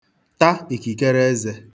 ta ìkìkereezē